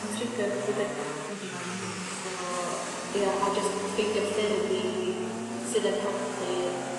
yn trigger dydi? Blydi hell yndi. So ia a jyst ffeindio ffyrdd i... Sydd yn helpu